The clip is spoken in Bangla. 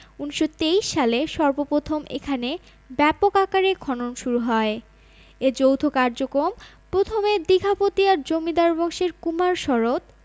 ১৯২৩ সালে সর্বপ্রথম এখানে ব্যাপক আকারে খনন শুরু হয় এ যৌথ কার্যক্রম প্রথমে দিঘাপতিয়ার জমিদার বংশের কুমার শরৎ